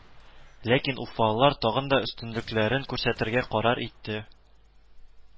Ләкин уфалылар тагын да өстенлекләрен күрсәтергә карар итте